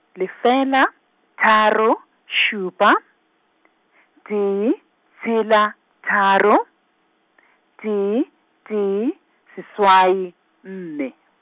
lefela tharo šupa , tee tshela tharo, tee tee seswai nne.